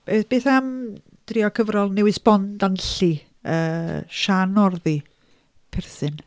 Be beth am drio cyfrol newydd sbon danlli, yy, Siân Northy, Perthyn.